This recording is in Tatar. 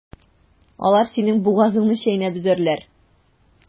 Алар синең бугазыңны чәйнәп өзәрләр.